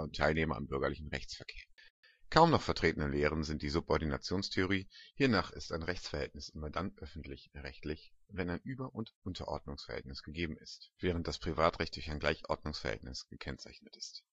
Teilnehmer am bürgerlichen Rechtsverkehr. Kaum noch vertretene Lehren sind die Subordinationstheorie, hiernach ist ein Rechtsverhältnis immer dann öffentlich rechtlich, wenn ein Über - und Unterordnungsverhältnis gegeben ist, während das Privatrecht durch ein Gleichordnungsverhältnis gekennzeichnet ist